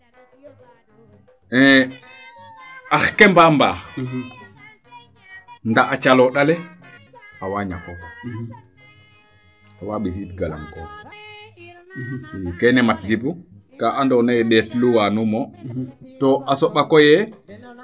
e ax ke mbaa mbaax ndaa a caloondale awaa ñako faax awaa mbisiid galang koor i keene mat Djibu kaa ando naye ndeetlu waanumo to a soɓa koy yee